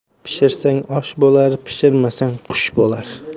pishirsang osh bo'lar pishirmasang qush bo'lar